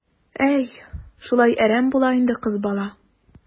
Әй, шулай әрәм була инде кыз бала.